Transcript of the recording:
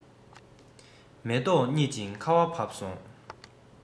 མེ ཏོག རྙིད ཅིང ཁ བ བབས སོང